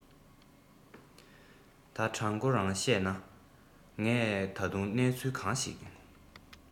ད དྲང གོ རང གཤས ན ངས ད དུང གནས ཚུལ གང ཞིག